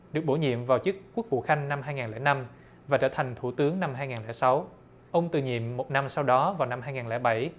được bổ nhiệm vào chức quốc vụ khanh năm hai nghìn lẻ năm và trở thành thủ tướng năm hai nghìn lẻ sáu ông từ nhiệm một năm sau đó vào năm hai nghìn lẻ bảy